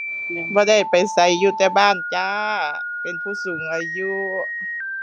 บ่ได้ไปไสอยู่แต่บ้านจ้า เป็นผู้สูงอายุ